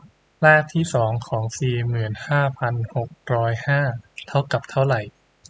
รากที่สองของสี่หมื่นห้าพันหกร้อยห้าเท่ากับเท่าไหร่